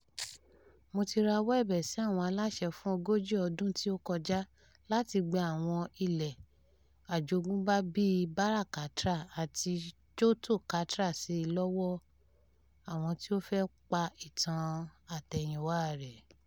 Mo ti rawọ́ ẹ̀bẹ̀ sí àwọn aláṣẹ fún ogójì ọdún tí ó kọjá láti gba àwọn ilé àjogúnbá bíi Bara Katra àti Choto Katra sílẹ̀ lọ́wọ́ àwọn tí ó fẹ́ pa ìtàn àtẹ̀yìnwá rẹ́.